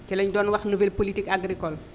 ci lañu doon wax nouvelle politique agricole